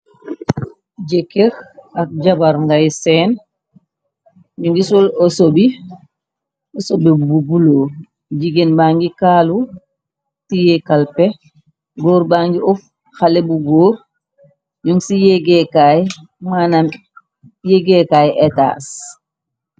jekker ak jabar ngay seen ñu ngi sol ësobe b bu bulo jigéen ba ngi kaalu tiye kalpe góor bangi uf xale bu góor ñungi ci yéggeekaay mana yéggeekaay etaas